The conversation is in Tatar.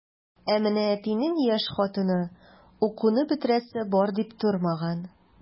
Ә менә әтинең яшь хатыны укуны бетерәсе бар дип тормаган.